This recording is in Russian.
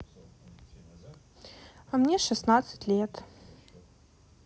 а мне шестнадцать лет